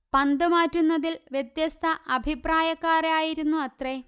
പന്ത് മാറ്റുന്നതിൽ വ്യത്യസ്ത അഭിപ്രായക്കാരായിരുന്നത്രെ